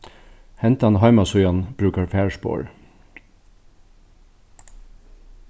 hendan heimasíðan brúkar farspor